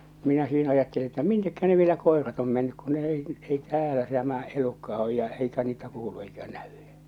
minä siinä ajattelin että miten ne vielä koirat on mennyt kun ne ei ei täällä tämä elukka on ja eikä niitä kuulu eikä näy